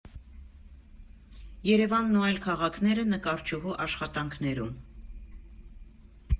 Երևանն ու այլ քաղաքները՝ նկարչուհու աշխատանքներում։